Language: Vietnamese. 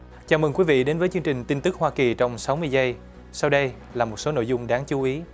chào mừng quý vị đến với chương trình tin tức hoa kỳ trong sáu mươi giây sau đây là một số nội dung đáng chú ý